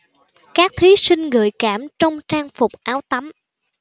các thí sinh gợi cảm trong trang phục áo tắm